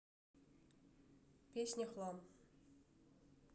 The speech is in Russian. песня хлам